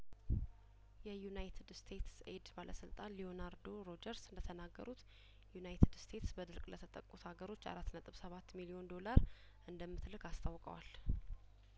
የዩናይትድ ስቴትስ ኤይድ ባለስልጣን ሊዮናርዶ ሮጀር ስእንደ ተናገሩት ዩናይትድ ስቴትስ በድርቅ ለተጠቁት አገሮች አራት ነጥብ ሰባት ሚሊዮን ዶላር እንደምትልክ አስታውቀዋል